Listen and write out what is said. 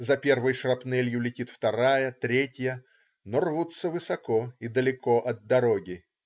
За первой шрапнелью летит вторая, третья, но рвутся высоко и далеко от дороги.